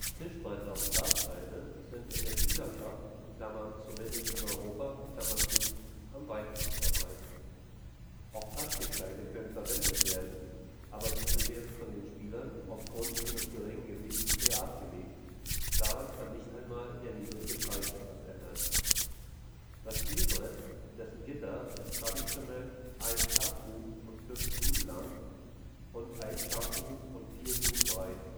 Tischbretter und Glassteine sind in der Spielerschaft (zumindest in Europa) am weitesten verbreitet. Auch Plastiksteine können verwendet werden, aber diese werden von den Spielern aufgrund ihres geringen Gewichts eher abgelehnt, daran kann nicht einmal der niedrige Preis etwas ändern. Das Spielbrett und dessen Gitter ist traditionell 1 Shaku und 5 Sun lang und 1 Shaku und 4 Sun breit